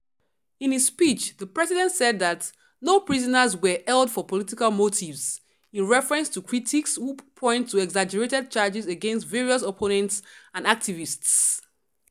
In his speech, the president said that “no prisoners were held for political motives,” in reference to critics who point to exaggerated charges against various opponents and activists.